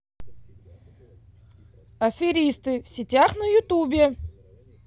аферисты в сетях на ютубе